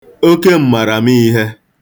oke m̀màramīhē